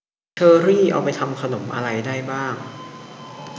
เชอร์รี่เอาไปทำขนมอะไรได้บ้าง